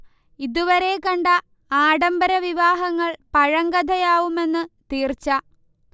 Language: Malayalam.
ഇതുവരെ കണ്ട ആഢംബര വിവാഹങ്ങൾ പഴങ്കഥയാവുമെന്നു തീർച്ച